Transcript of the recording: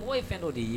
Mɔgɔ ye fɛn dɔ de ye